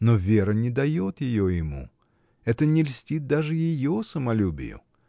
Но Вера не дает ее ему: это не льстит даже ее самолюбию!